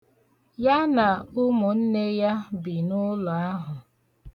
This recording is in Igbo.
Ya na ụmụnne ya bi n'ụlọ ahụ.